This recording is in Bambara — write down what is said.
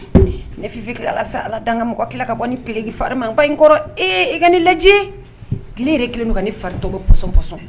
Nefifiti ala ala dan ka mɔgɔ kila ka bɔ ni tileki fari ma in n kɔrɔ i ka ne lajɛ tile yɛrɛ tile don ni faririntɔ bɛ psɔnpsɔn